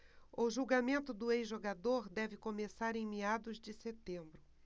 o julgamento do ex-jogador deve começar em meados de setembro